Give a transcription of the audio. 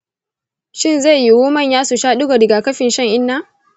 shin zai yiwu manya su sha digon rigakafin shan-inna?